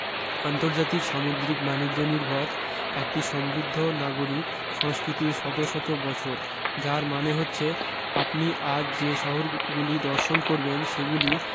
আন্তর্জাতিক সামুদ্রিক বানিজ্য নির্ভর একটি সমৃদ্ধ নাগরিক সংস্কৃতির শত শত বছর যার মানে হচ্ছে আপনি আজ যে শহরগুলি দর্শন করবেন সেগুলি